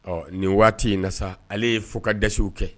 Ɔ nin waati in na sa, ale ye fo ka dɛsɛw kɛ